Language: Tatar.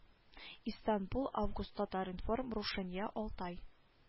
Истанбул август татар-информ рушания алтай